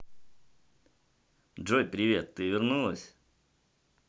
джой привет ты вернулась